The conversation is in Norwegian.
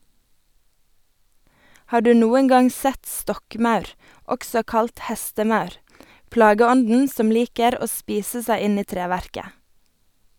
Har du noen gang sett stokkmaur, også kalt hestemaur, plageånden som liker å spise seg inn i treverket?